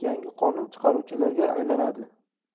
yangi qonun chiqaruvchilarga aylanadi